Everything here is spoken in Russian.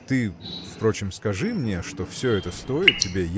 Ты, впрочем, скажи мне, что все это стоит тебе